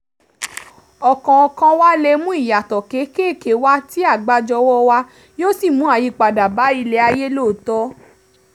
Ọ̀kọ̀ọ̀kan wa lè mú ìyàtọ̀ kéékéèké wa tí àgbájọ ọwọ́ wa yóò sì mú àyípadà bá ilé ayé lóòótọ́.